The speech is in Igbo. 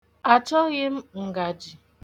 Achọghị m ngaji.